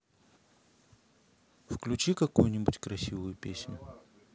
включи какую нибудь красивую песню